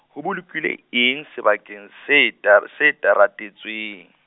ho bolokilwe eng sebakeng se tar-, se teratetsweng.